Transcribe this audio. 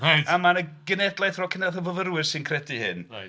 Reit... A mae 'na genhedlaeth ar ôl cenhedlaeth o fyfyrwyr sy'n credu hyn... Reit.